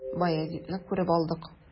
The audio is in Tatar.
Баязитны күреп алдык.